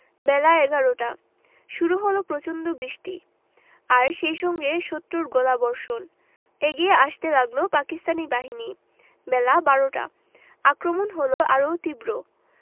বেলা এগারোটা শুরু হলো প্রচণ্ড বৃষ্টি আর সেই সঙ্গে শত্রুর গোলাবর্ষণ এগিয়ে আসতে লাগল পাকিস্তানি বাহিনী বেলা বারোটা আক্রমণ হলো আরও তীব্র